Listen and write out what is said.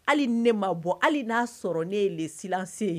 Hali ni ni ne ma bɔ, hali n'a y'a sɔrɔ ne ye lesi